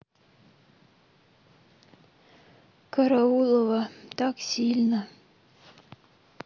караулова так сильно